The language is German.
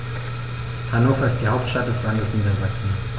Hannover ist die Hauptstadt des Landes Niedersachsen.